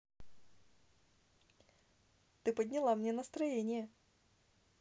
ты мне подняла настроение